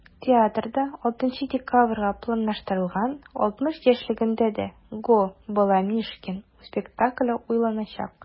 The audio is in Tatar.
Театрда 6 декабрьгә планлаштырылган 60 яшьлегендә дә “Gо!Баламишкин" спектакле уйналачак.